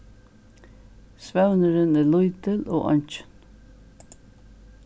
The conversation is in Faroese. svøvnurin er lítil og eingin